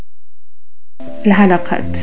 الحلقه